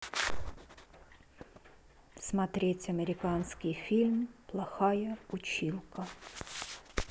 смотреть американский фильм плохая училка